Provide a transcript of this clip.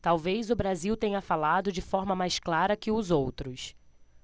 talvez o brasil tenha falado de forma mais clara que os outros